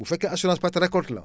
bu fekkee assurance perte récolte la